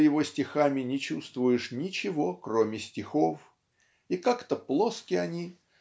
за его стихами не чувствуешь ничего кроме стихов и как-то плоски они